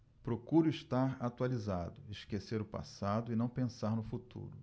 procuro estar atualizado esquecer o passado e não pensar no futuro